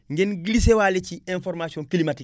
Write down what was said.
ngeen glissé waale ci information climatique